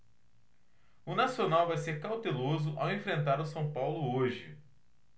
o nacional vai ser cauteloso ao enfrentar o são paulo hoje